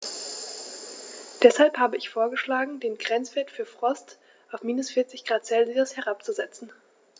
Deshalb habe ich vorgeschlagen, den Grenzwert für Frost auf -40 ºC herabzusetzen.